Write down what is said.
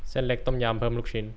เส้นเล็กต้มยำเพิ่มลูกชิ้น